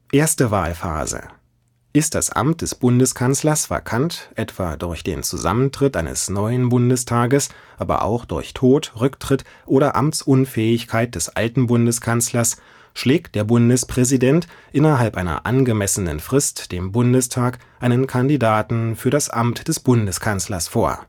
Erste Wahlphase: Ist das Amt des Bundeskanzlers vakant, etwa durch den Zusammentritt eines neuen Bundestages, aber auch durch Tod, Rücktritt oder Amtsunfähigkeit des alten Bundeskanzlers, schlägt der Bundespräsident innerhalb einer angemessenen Frist dem Bundestag einen Kandidaten für das Amt des Bundeskanzlers vor